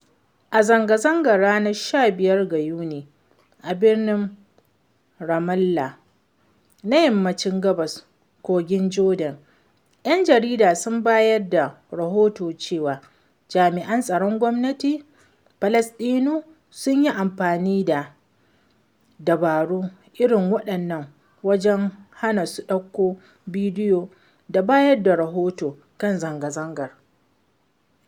A zanga-zangar ranar 15 ga Yuni a birnin Ramallah na Yammacin Gaɓar Kogin Jordan, ‘yan jarida sun bayar da rahoto cewa jami’an tsaron gwamnatin Falasɗinu sun yi amfani da dabaru irin waɗannan wajen hana su ɗaukar bidiyo da bayar da rahoto kan zanga-zangar.